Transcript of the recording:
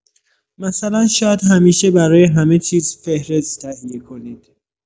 مثلا شاید همیشه برای همه‌چیز فهرست تهیه کنید.